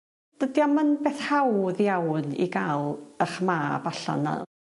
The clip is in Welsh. Dydi o'm yn beth hawdd iawn i ga'l 'ych mab allan a